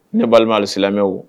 Ne balima silamɛmɛ o